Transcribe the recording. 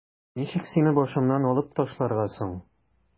Ничек сине башымнан алып ташларга соң?